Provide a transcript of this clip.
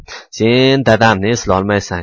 sen dadamni eslolmaysan